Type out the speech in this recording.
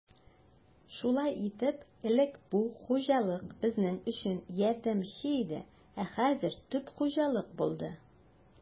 Шулай итеп, элек бу хуҗалык безнең өчен ярдәмче иде, ә хәзер төп хуҗалык булды.